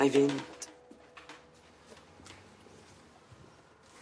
Ai fynd.